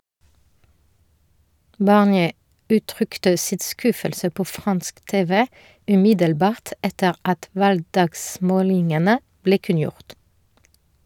Barnier uttrykte sin skuffelse på fransk TV umiddelbart etter at valgdagsmålingene ble kunngjort.